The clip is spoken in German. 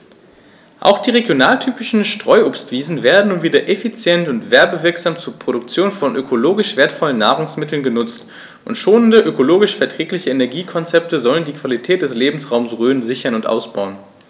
Auch die regionaltypischen Streuobstwiesen werden nun wieder effizient und werbewirksam zur Produktion von ökologisch wertvollen Nahrungsmitteln genutzt, und schonende, ökologisch verträgliche Energiekonzepte sollen die Qualität des Lebensraumes Rhön sichern und ausbauen.